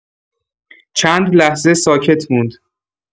چند لحظه ساکت موند.